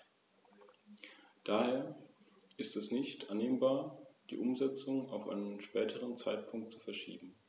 Dies ist ein Bereich, in dem sich die Kommission, wie ich meine, als wahrer Freund von Wales erweisen kann.